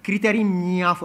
Kiriteri nin'a fɔ